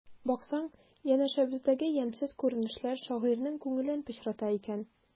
Баксаң, янәшәбездәге ямьсез күренешләр шагыйрьнең күңелен пычрата икән.